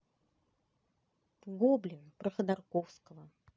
гоблин про ходорковского